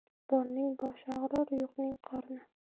borning boshi og'rir yo'qning qorni